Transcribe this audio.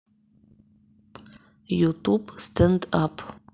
ютуб стенд ап